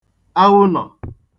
aghụnọ̀